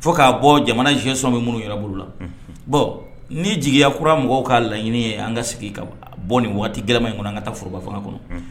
fo k'a bɔ jamana j sɔn min minnu yɛrɛ bolo la bɔn ni jigiya kura mɔgɔw kaa laɲini ye an ka sigi ka bɔ nin waati gɛlɛnma in kɔnɔ an ka taa foroba fanga kɔnɔ